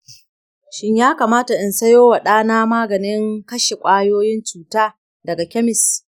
shin ya kamata in sayo wa ɗana maganin kashe kwayoyin cuta daga kemis?